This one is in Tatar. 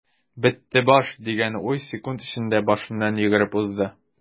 "бетте баш” дигән уй секунд эчендә башыннан йөгереп узды.